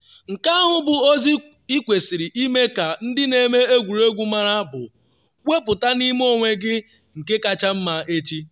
Nke ahụ bụ ozi ịkwesịrị ime ka ndị na-eme egwuregwu mara, bụ wepụta n’ime onwe gị nke kacha mma echi.